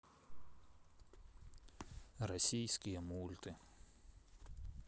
российские мульты